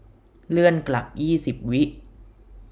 เลื่อนกลับยี่สิบวิ